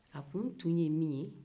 a kun tun ye min ye